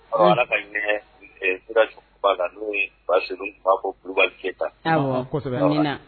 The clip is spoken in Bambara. A ka no ye baa ko kulubali cɛ tan kosɛbɛ